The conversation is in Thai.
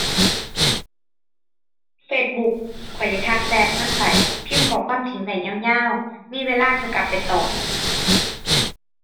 Facebook ข้อยสิทักแชตมันไป พิมพ์ข้อความทิ้งไว้ยาวยาว มีเวลาค่อยกลับไปตอบ